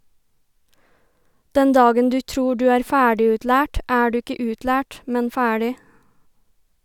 Den dagen du tror du er ferdigutlært er du ikke utlært , men ferdig.